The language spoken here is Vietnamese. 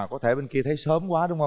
à có thể bên kia thấy sớm quá đúng không